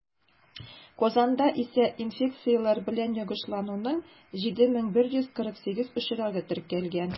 Казанда исә инфекцияләр белән йогышлануның 7148 очрагы теркәлгән.